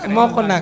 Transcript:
ma wax ko ndànk